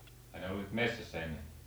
ai ne olivat metsissä ennen